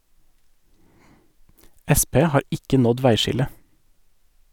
Sp har ikke nådd veiskillet.